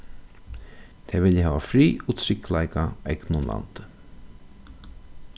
tey vilja hava frið og tryggleika egnum landi